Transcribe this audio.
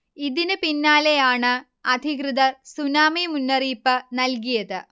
ഇതിന് പിന്നാലെയാണ് അധികൃതർ സുനാമി മുന്നറിയിപ്പ് നൽകിയത്